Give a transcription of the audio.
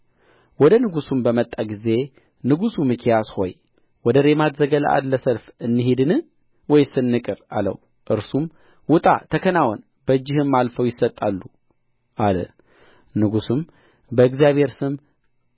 ወደ ንጉሡም በመጣ ጊዜ ንጉሡ ሚክያስ ሆይ ወደ ሬማት ዘገለዓድ ለሰልፍ እንሂድን ወይስ እንቅር አለው እርሱም ውጣ ተከናወን በእጅህም አልፈው ይሰጣሉ አለ ንጉሡም በእግዚአብሔር ስም